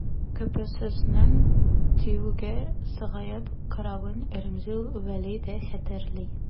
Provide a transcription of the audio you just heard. КПССның ТИҮгә сагаеп каравын Римзил Вәли дә хәтерли.